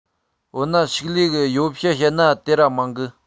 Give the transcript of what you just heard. འོ ན ཕྱུགས ལས གི ཡོ བྱད བཤད ན དེ ར མང གི